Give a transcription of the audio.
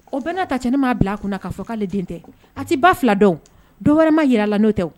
O bɛna ta cɛ ne m' bila a kunna k'a fɔ k'ale den tɛ a tɛ ba fila dɔn dɔw wɛrɛ ma jirara la'o tɛ